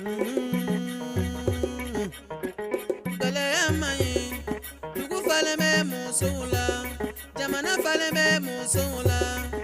Miniyan gɛlɛyaya ma ɲi dugufa bɛ muso la jamana fa bɛ muso la